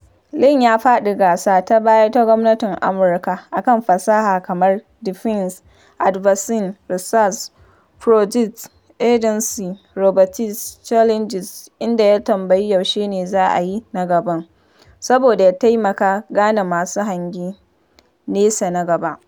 Lee ya faɗi gasa ta baya ta gwamnatin Amurka a kan fasaha kamar Defense Advanced Research Projects Agency's Robotics Challenge inda ya tambaya yaushe ne za a yi na gaban, saboda ya taimaka gane masu hange nesa na gaba.